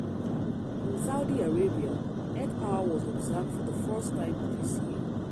In Saudi Arabia, Earth Hour was observed for the first time this year.